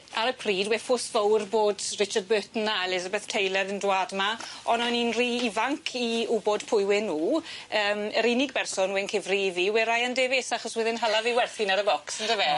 Ar y pryd we'r ffws fowr bod Richard Burton a Elizabeth Taylor yn dŵad yma on o'n i'n ry ifanc i wbod pwy we' nw yym yr unig berson we'n cyfri i fi we' Ryan Davies achos wedd e'n hala fi werthin ar y bocs on'd yfe?